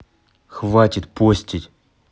хватит постить